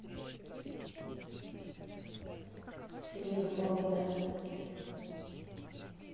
в среду погода